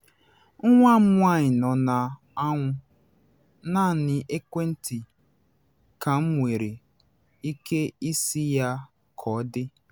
Nwa m nwanyị nọ na anwụ, naanị n’ekwentị ka m nwere ike isi ya ka ọ dị